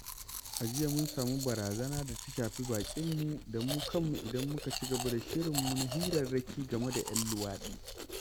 A jiya mun samu barazana da ta shafi baƙinmu da mu kanmu idan muka cigaba da shirinmu na hirarraki game da 'yan luwaɗi.